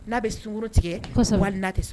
N'a bɛ sunkuru tigɛsɔ wali tɛ so